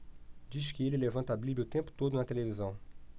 diz que ele levanta a bíblia o tempo todo na televisão